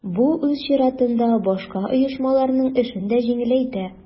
Бу үз чиратында башка оешмаларның эшен дә җиңеләйтә.